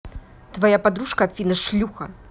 твоя подружка афина шлюха